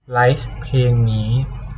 ไลค์เพลงนี้